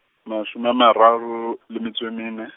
mashome a mararo, le metso e mene.